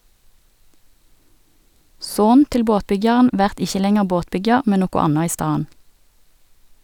Son til båtbyggjaren vert ikkje lenger båtbyggjar, men noko anna i staden.